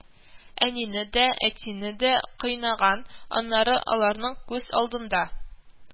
Әнине дә, әтине дә кыйнаган, аннары аларның күз алдында